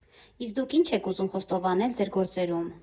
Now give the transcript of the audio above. Իսկ դուք ի՞նչ եք ուզում խոստովանել ձեր գործերում։